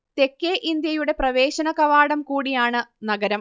തെക്കേ ഇന്ത്യയുടെ പ്രവേശനകവാടം കൂടിയാണ് നഗരം